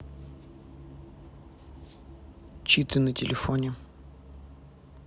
читы на телефоне